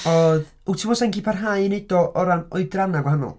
Oedd. Wyt ti'n meddwl 'sa hi wedi parhau i'w wneud o o ran oedrannau gwahanol?